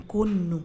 Ko ninnuunu